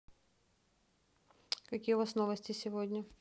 какие у вас новости сегодня